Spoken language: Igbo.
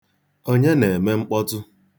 Onye na-eme mkpọtụ?